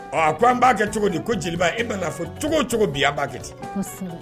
A ko an b'a kɛ cogo di ko jeliba e' fɔ cogo o cogo bi an b'a kɛ di